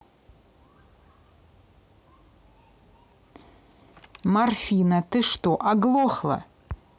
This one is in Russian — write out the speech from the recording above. марфина ты что оглохла